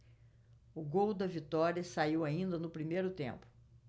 o gol da vitória saiu ainda no primeiro tempo